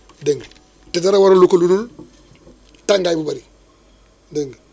dégg nga te dara waralu ko lu dul tàngaay bu bëri dégg nga